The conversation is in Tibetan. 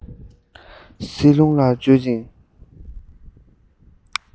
བསིལ རླུང ལ བཅོལ ཅིང